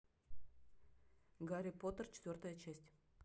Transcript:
гарри поттер четвертая часть